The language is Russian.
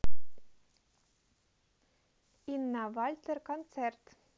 инна вальтер концерт